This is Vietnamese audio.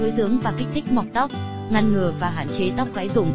nuôi dưỡng và kích thích mọc tóc ngăn ngừa và hạn chế tóc gãy rụng